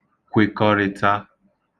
kwekọrịta